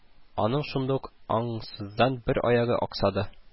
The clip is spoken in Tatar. Аның шундук аңсыздан бер аягы аксады